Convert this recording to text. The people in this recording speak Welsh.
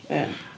Ie.